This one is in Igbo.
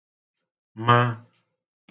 ma